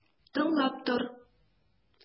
Тыңлап тор!